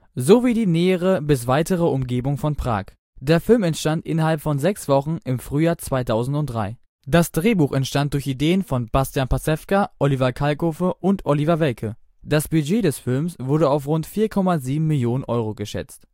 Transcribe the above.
sowie die nähere bis weitere Umgebung von Prag. Der Film entstand innerhalb von sechs Wochen im Frühjahr 2003. Das Drehbuch entstand durch Ideen von Bastian Pastewka, Oliver Kalkofe und Oliver Welke. Das Budget des Films wurde auf rund 4,7 Millionen Euro geschätzt